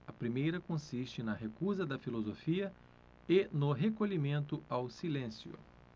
a primeira consiste na recusa da filosofia e no recolhimento ao silêncio